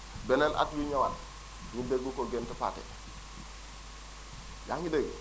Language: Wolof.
beneen at mi ñëwaat ñu dégg ko Gént Pathé yaa ngi dégg